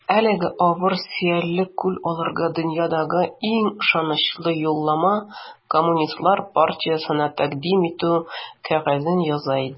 Әлеге авыр, сөялле кул аларга дөньядагы иң ышанычлы юллама - Коммунистлар партиясенә тәкъдим итү кәгазен яза иде.